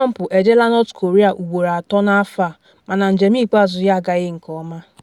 Pompeo ejeela North Korea ugboro atọ n’afọ a, mana njem ikpeazụ ya agaghị nke ọma.